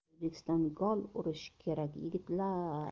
o'zbekiston gol urish kerak yigitlar